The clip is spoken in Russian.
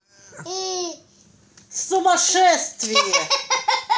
сумасшествие